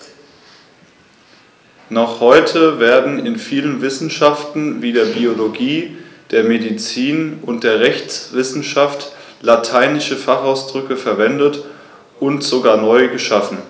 Noch heute werden in vielen Wissenschaften wie der Biologie, der Medizin und der Rechtswissenschaft lateinische Fachausdrücke verwendet und sogar neu geschaffen.